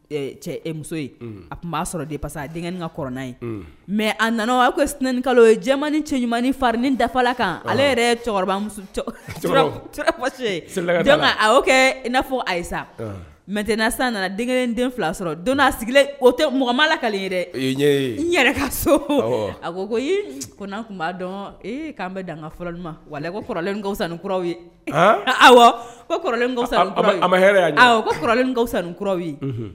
Cɛ muso a tun b'a sɔrɔ de denkɛ kaɔrɔnna ye mɛ a nana a kalo ye cɛ ɲuman farin dafala kan ale yɛrɛ cɛkɔrɔbamuso a y'o kɛ i n'a fɔ ayisa mɛten sa nana denkɛ den fila sɔrɔ don' sigilen o tɛ mɔgɔma la ka yɛrɛ ka so a ko ko ko n' tun b'a dɔn ee k'an bɛ danga fɔlɔli ma wa ko kɔrɔlenkawsan kɔrɔ ye aw kolen kɔrɔlenkawsan kɔrɔ ye